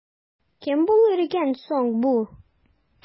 Кем булыр икән соң бу?